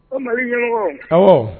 O mali ɲ aw